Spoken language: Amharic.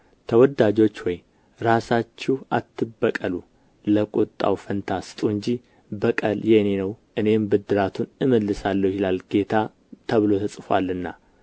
ተወዳጆች ሆይ ራሳችሁ አትበቀሉ ለቍጣው ፈንታ ስጡ እንጂ በቀል የእኔ ነው እኔ ብድራቱን እመልሳለሁ ይላል ጌታ ተብሎ ተጽፎአልና